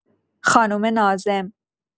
خانم ناظم